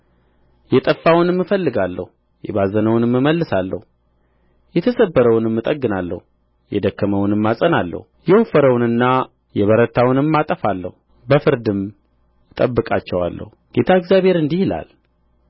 የጠፋውንም እፈልጋለሁ የባዘነውንም እመልሳለሁ የተሰበረውንም እጠግናለሁ የደከመውንም አጸናለሁ የወፈረውንና የበረታውንም አጠፋለሁ በፍርድም እጠብቃቸዋለሁ ጌታ እግዚአብሔር እንዲህ ይላል